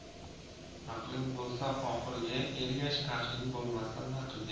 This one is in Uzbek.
aqling bo'lsa oqilga ergash aqling bo'lmasa naqlga